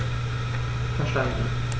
Verstanden.